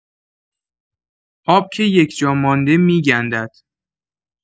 آب که یک جا مانده می‌گندد.